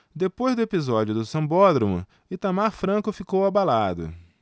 depois do episódio do sambódromo itamar franco ficou abalado